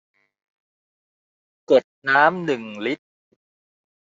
กดน้ำหนึ่งลิตร